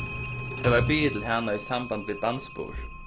tað varð biðið til hana í samband við barnsburð